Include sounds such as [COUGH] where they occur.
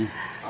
[HESITATION] [HESITATION]